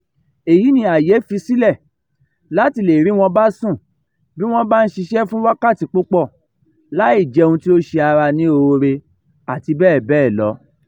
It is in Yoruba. Èyí ni àyè fi sílẹ̀ láti lè rí wọn bá sùn bí wọn bá ń ṣiṣẹ́ fún wákàtí púpọ̀, láì jẹun tí ó ṣe ara ní oore, àti bẹ́ẹ̀ bẹ́ẹ̀ lọ.